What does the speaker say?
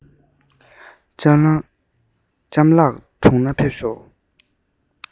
ལྕམ ལགས གྲུང ན ཕེབས ཤོག